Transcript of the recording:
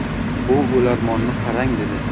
bu o'larmonni qarang dedi